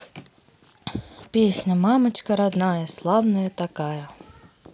песня мамочка родная славная такая